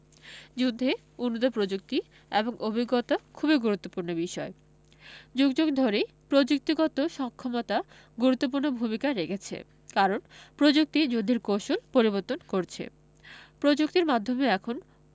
যুদ্ধে উন্নত প্রযুক্তি এবং অভিজ্ঞতা খুবই গুরুত্বপূর্ণ বিষয় যুগ যুগ ধরেই প্রযুক্তিগত সক্ষমতা গুরুত্বপূর্ণ ভূমিকা রেখেছে কারণ প্রযুক্তিই যুদ্ধের কৌশল পরিবর্তন করছে প্রযুক্তির মাধ্যমে এখন